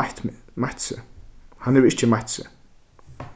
meitt meg meitt seg hann hevur ikki meitt seg